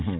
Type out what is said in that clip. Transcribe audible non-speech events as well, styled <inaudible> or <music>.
<hesitation> <hesitation>